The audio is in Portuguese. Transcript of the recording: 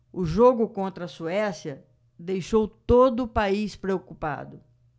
o jogo contra a suécia deixou todo o país preocupado